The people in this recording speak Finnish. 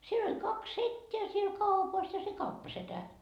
siellä oli kaksi setää siellä kaupassa ja se kauppasetä